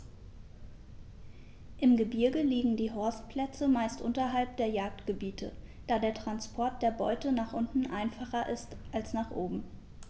Im Gebirge liegen die Horstplätze meist unterhalb der Jagdgebiete, da der Transport der Beute nach unten einfacher ist als nach oben.